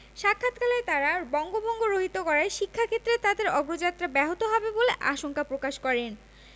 সাক্ষাৎকালে তাঁরা বঙ্গভঙ্গ রহিত করায় শিক্ষাক্ষেত্রে তাদের অগ্রযাত্রা ব্যাহত হবে বলে আশঙ্কা প্রকাশ করেন